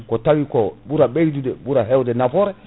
ko tawi ko ɓura ɓeydude ɓura hewde nafoore